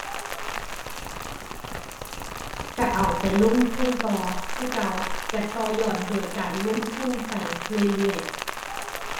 ก็เอาไปลงทุนต่อคือเก่า ก็ต่อยอดโดยการลงทุนไปเรื่อยเรื่อย